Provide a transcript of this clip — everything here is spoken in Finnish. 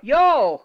joo